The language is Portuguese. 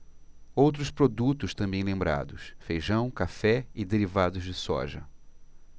outros produtos também lembrados feijão café e derivados de soja